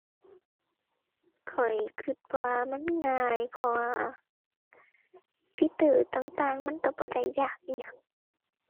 ข้อยคิดว่ามันง่าย เพราะว่าฟีเจอร์ต่างต่างมันคิดบ่ได้ยากอิหยัง